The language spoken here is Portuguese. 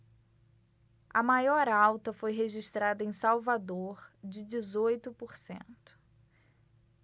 a maior alta foi registrada em salvador de dezoito por cento